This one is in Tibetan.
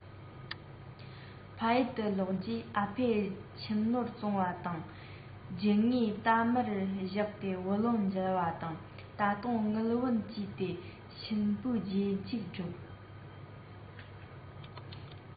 ཕ ཡུལ དུ ལོག རྗེས ཨ ཕས ཁྱིམ ནོར བཙོངས པ དང རྒྱུ དངོས གཏའ མར བཞག སྟེ བུ ལོན འཇལ བ དང ད དུང དངུལ བུན བསྐྱིས ཏེ གཤིན པོའི རྗེས འཇུག བསྒྲུབས